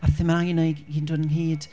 A'r themâu yna i gyd yn dod ynghyd.